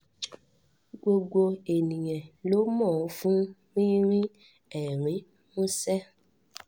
"Gbogbo èníyàn ló mọ́ fún rínrín ẹ̀rín múṣẹ́.